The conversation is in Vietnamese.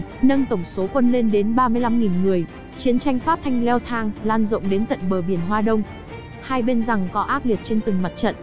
nâng tổng số quân lên đến người chiến tranh pháp thanh leo thang lan rộng đến tận bờ biển hoa đông hai bên giằng co ác liệt trên từng mặt trận